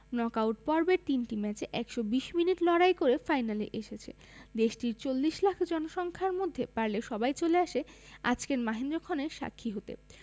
knock out পর্বের তিনটি ম্যাচে ১২০ মিনিট লড়াই করে ফাইনালে এসেছে দেশটির ৪০ লাখ জনসংখ্যার মধ্যে পারলে সবাই চলে আসে আজকের মাহেন্দ্রক্ষণের সাক্ষী হতে